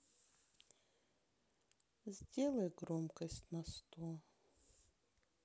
сделай громкость на сто